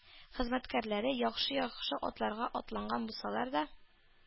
Хезмәткәрләре яхшы-яхшы атларга атланган булсалар да,